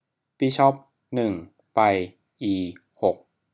บิชอปหนึ่งไปอีหก